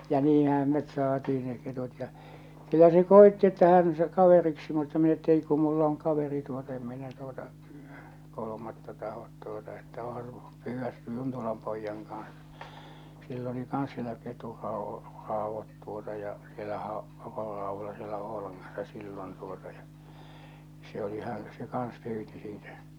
ja niinhän me saatiin ne ketut ja kyllä se koetti että hän se kaveriksi mutta minä että ei kun minulla on kaveri - en minä tuota kolmatta tahdo tuota että onhan - pyydä Juntolan pojan kanssa sillä oli kanssa siellä - ketunraudat tuota ja siellähän on ketunraudoilla siellä Oulangassa silloin tuota ja se oli hän se kanssa pyysi siitä tätä -